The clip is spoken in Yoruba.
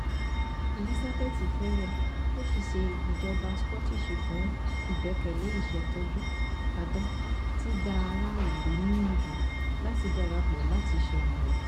Elisabeth Ferrell, Òṣìṣẹ́ ìjọba Scottish fún Ìgbẹkẹ̀lé Ìṣètọ́jú Àdán, tí gba ara ilú níyànjú láti dárapọ̀ láti ṣèrànwọ.